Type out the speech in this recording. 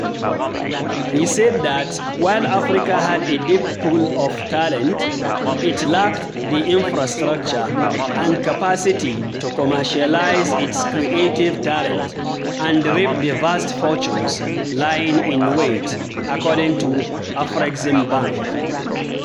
He said that while Africa had a deep pool of talent, it lacked the infrastructure and capacity to commercialize its creative talent and reap the vast fortunes lying in wait, according to Afreximbank.